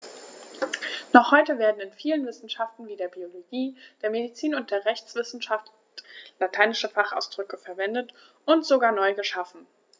Noch heute werden in vielen Wissenschaften wie der Biologie, der Medizin und der Rechtswissenschaft lateinische Fachausdrücke verwendet und sogar neu geschaffen.